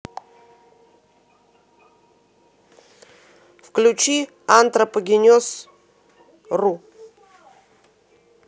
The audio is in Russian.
включи антропогенез ру